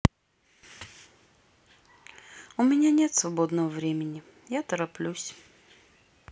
у меня нет свободного времени я тороплюсь